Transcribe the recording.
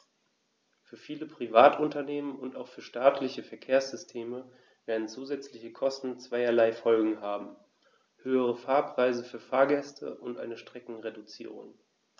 Für viele Privatunternehmen und auch für staatliche Verkehrssysteme werden zusätzliche Kosten zweierlei Folgen haben: höhere Fahrpreise für Fahrgäste und eine Streckenreduzierung.